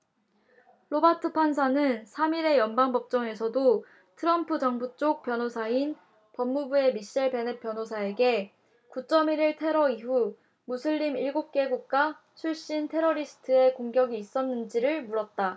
로바트 판사는 삼 일의 연방법정에서도 트럼프 정부쪽 변호사인 법무부의 미셀 베넷 변호사에게 구 쩜 일 일 테러 이후 무슬림 일곱 개국가 출신 테러리스트의 공격이 있었는지를 물었다